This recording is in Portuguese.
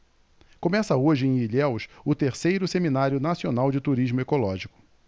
começa hoje em ilhéus o terceiro seminário nacional de turismo ecológico